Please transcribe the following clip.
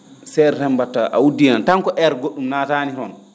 see?a ran mbattaa a uddii han tant que aire go??um naataani roon